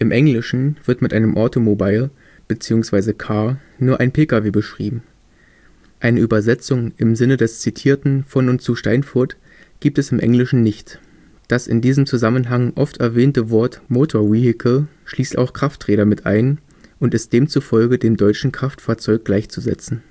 Englischen wird mit einem automobile bzw. car nur ein Pkw beschrieben. Eine Übersetzung im Sinne des zitierten von und zu Steinfurth gibt es im Englischen nicht; das in diesem Zusammenhang oft erwähnte Wort motor vehicle schließt auch Krafträder mit ein und ist demzufolge dem deutschen „ Kraftfahrzeug “gleichzusetzen